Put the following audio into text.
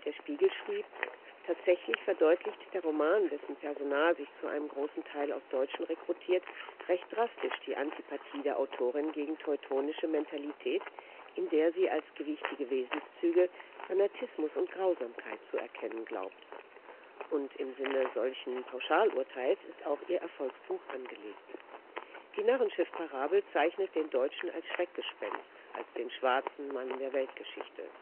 Spiegel schrieb: " Tatsächlich verdeutlicht der Roman, dessen Personal sich zu einem großen Teil aus Deutschen rekrutiert, recht drastisch die Antipathie der Autorin gegen teutonische Mentalität, in der sie als gewichtige Wesenszüge Fanatismus und Grausamkeit zu erkennen glaubt... und im Sinne solchen Pauschal-Urteils ist auch ihr Erfolgsbuch angelegt: Die " Narrenschiff "- Parabel zeichnet den Deutschen als Schreckgespenst, als den Schwarzen Mann der Weltgeschichte